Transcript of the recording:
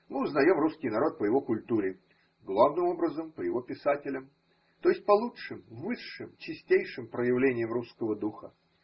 Мы узнаем русский народ по его культуре – главным образом, по его писателям, то есть по лучшим, высшим, чистейшим проявлениям русского духа.